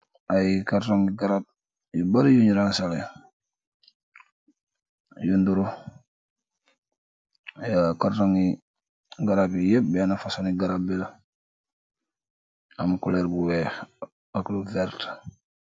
Ay kartungi garap yu barri un ranseleh yu niru, kartungi garap yu yep benna fasong ngi garap bi la am kulor bu wèèx ak lu werta.